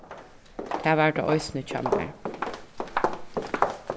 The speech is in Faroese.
tað var tað eisini hjá mær